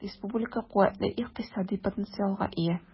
Республика куәтле икътисади потенциалга ия.